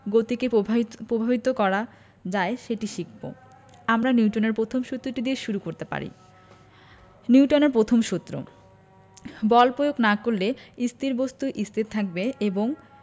গতিকে পভাবিত করা যায় সেটি শিখব আমরা নিউটনের পথম সূত্রটি দিয়ে শুরু করতে পারি নিউটনের পথম সূত্র বল পয়োগ না করলে স্থির বস্তু স্থির থাকবে এবং